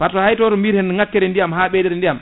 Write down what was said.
par ce hay ɗo to biyaten ngakkere ndiyam haaɓere ndiyam